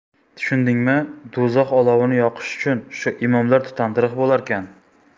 tushundingmi do'zax olovini yoqish uchun shu imomlar tutantiriq bo'larkan